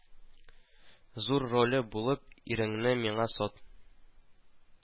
Зур роле булып иреңне миңа сат